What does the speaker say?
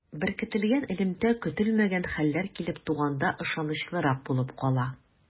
Беркетелгән элемтә көтелмәгән хәлләр килеп туганда ышанычлырак булып кала.